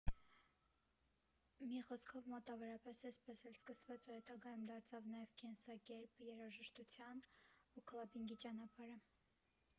Մի խոսքով, մոտավորապես էսպես էլ սկսվեց ու հետագայում դարձավ նաև կենսակերպ՝ երաժշտության ու քլաբբինգի ճանապարհը։